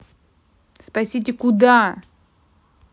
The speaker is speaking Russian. спасите куда